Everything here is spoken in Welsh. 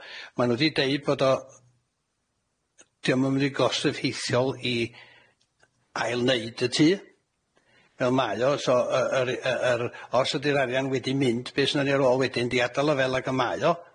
Ma n'w di deud bod o... Dio'm yn mynd i gost effeithiol i ail neud y tŷ, fel mae o so yy yr u- yy yr os ydi'r arian wedi mynd, be' sgynnon ni ar ôl wedyn 'di adal o fel ag y mae o